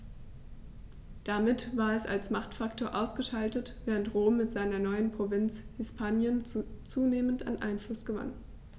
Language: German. Damit war es als Machtfaktor ausgeschaltet, während Rom mit seiner neuen Provinz Hispanien zunehmend an Einfluss gewann.